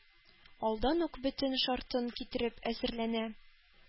Алдан ук бөтен шартын китереп әзерләнә: